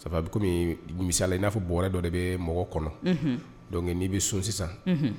Sabu a komi misaliyala n'a fɔ bɔrɛ dɔ de bɛ mɔgɔ kɔnɔ donc n'i bɛ so sisan.